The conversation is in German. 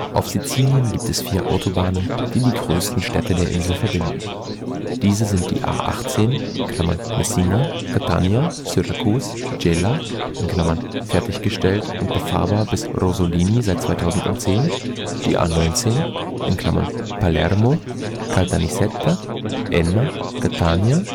Auf Sizilien gibt es vier Autobahnen, die die größten Städte der Insel verbinden. Diese sind die A18 (Messina-Catania-Syrakus-Gela (fertiggestellt und befahrbar bis Rosolini seit 2010)), die A19 (Palermo-Caltanissetta-Enna-Catania